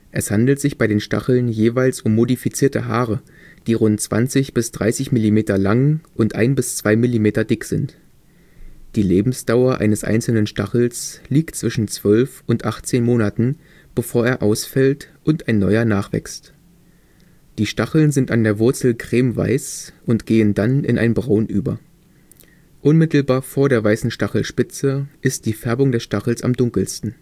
Es handelt sich bei den Stacheln jeweils um modifizierte Haare, die rund 20 bis 30 Millimeter lang und ein bis zwei Millimeter dick sind. Die „ Lebensdauer “eines einzelnen Stachels liegt zwischen zwölf und achtzehn Monaten, bevor er ausfällt und ein neuer nachwächst. Die Stacheln sind an der Wurzel cremeweiß und gehen dann in ein Braun über. Unmittelbar vor der weißen Stachelspitze ist die Färbung des Stachels am dunkelsten